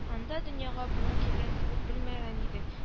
Анда, дөньяга бүген килгән кебек, белмәгән идек